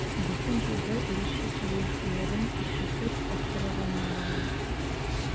Бөтен җирдә урысча сөйләшүләрен ишетеп аптыраган алар.